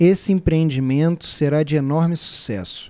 esse empreendimento será de enorme sucesso